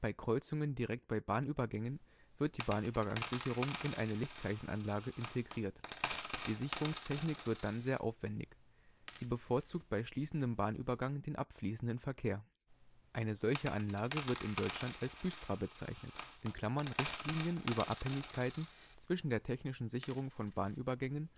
Kreuzungen direkt bei Bahnübergängen wird die Bahnübergangssicherung in eine Lichtzeichenanlage integriert. Die Sicherungstechnik wird dann sehr aufwändig. Sie bevorzugt bei schließendem Bahnübergang den abfließenden Verkehr. Eine solche Anlage wird in Deutschland als BÜSTRA bezeichnet (Richtlinien über Abhängigkeiten zwischen der technischen Sicherung von Bahnübergängen